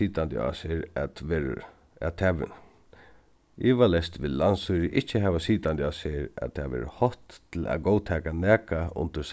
sitandi á sær at verður at tað ivaleyst vil landsstýrið ikki hava sitandi á sær at tað verður hótt til at góðtaka nakað undir